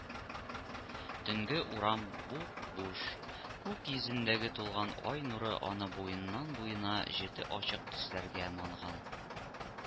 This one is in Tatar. Төнге урам буп-буш, күк йөзендәге тулган ай нуры аны буеннан-буена җете ачык төсләргә манган